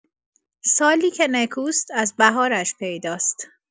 سالی که نکوست از بهارش پیداست!